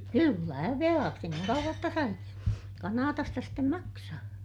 kyllä velaksi niin kauan jotta sai Kanadasta sitten maksaa